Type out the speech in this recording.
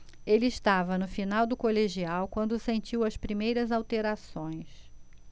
ele estava no final do colegial quando sentiu as primeiras alterações